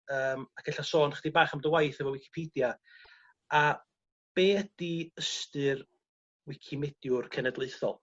yym ac ella sôn chydig bach am dy waith efo Wicipedia a be' ydi ystyr wicimediwr cenedlaethol?